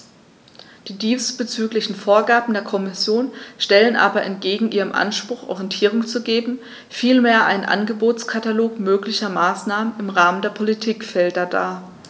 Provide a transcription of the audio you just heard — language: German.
Die diesbezüglichen Vorgaben der Kommission stellen aber entgegen ihrem Anspruch, Orientierung zu geben, vielmehr einen Angebotskatalog möglicher Maßnahmen im Rahmen der Politikfelder dar.